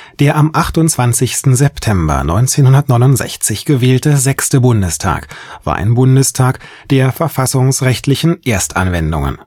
Der am 28. September 1969 gewählte sechste Bundestag war ein Bundestag der verfassungsrechtlichen Erstanwendungen